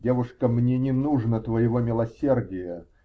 -- Девушка, мне не нужно твоего милосердия!